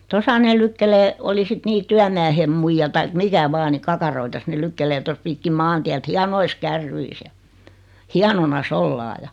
tuossa ne lykkii oli sitten niin työmiehen muija tai mikä vain niin kakaroita ne lykkäilee tuossa pitkin maantietä hienoissa kärryissä ja hienona ollaan ja